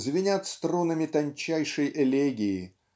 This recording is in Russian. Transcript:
звенят струнами тончайшей элегии